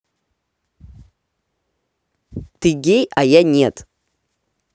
ты гей а я нет